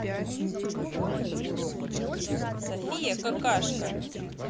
софия какашка